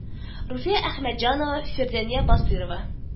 Руфия Әхмәтҗанова, Фирдания Басыйрова